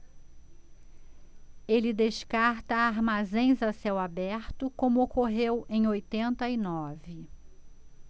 ele descarta armazéns a céu aberto como ocorreu em oitenta e nove